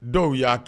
Dɔw ya kɛ